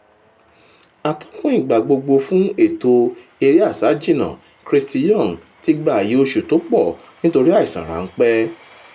Atọ́kùn ìgbàgbogbo fún ètò eré-asájìnnà, Kirsty Young, tí gba ààyè oṣù tó ps nítórí àìsàn ráńpẹ́.